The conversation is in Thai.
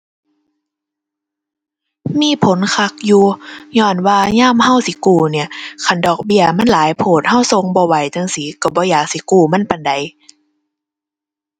มีผลคักอยู่ ญ้อนว่ายามเราสิกู้เนี่ย คันดอกเบี้ยมันหลายโพดเราส่งบ่ไหวจั่งซี้เราบ่อยากสิกู้มันปานใด